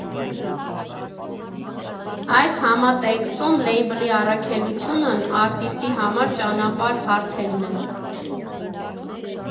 Այս համատեքստում լեյբլի առաքելությունն արտիստի համար ճանապարհ հարթելն է։